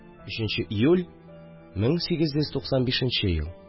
3 нче июль, 1895 ел